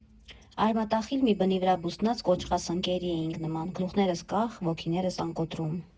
Արմատախիլ մի բնի վրա բուսնած կոճղասնկերի էինք նման, գլուխներս՝ կախ, ոգիներս՝ անկոտրում։